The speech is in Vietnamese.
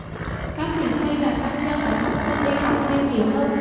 các kỳ thi là tác nhân đẩy học sinh đi học thêm nhiều hơn